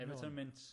Everton mints.